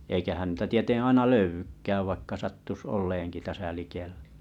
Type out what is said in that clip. eikähän niitä tieten aina löydykään vaikka sattuisi olemaankin tässä likellä